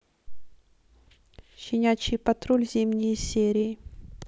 щенячий патруль зимние серии